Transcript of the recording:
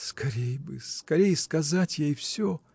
Скорей бы, скорей сказать ей всё!